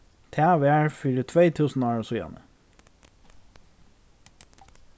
tað var fyri tvey túsund árum síðani